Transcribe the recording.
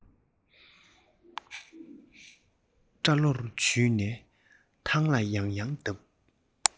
སྐྲ ལོར འཇུས ནས ཐང ལ ཡང ཡང བརྡབས